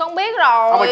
con biết rồi